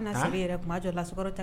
A sigi yɛrɛ kuma jɔ la sumaworota